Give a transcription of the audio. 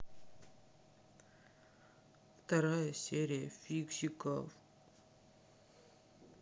вторая серия фиксиков